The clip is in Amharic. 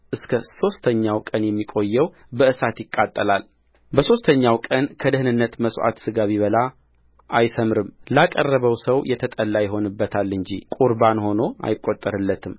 እስከ ሦስተኛው ቀን የሚቆየው በእሳት ይቃጠላልበሦስተኛው ቀን ከደኅንነት መሥዋዕት ሥጋ ቢበላ አይሠምርም ላቀረበው ሰው የተጠላ ይሆንበታል እንጂ ቍርባን ሆኖ አይቈጠርለትም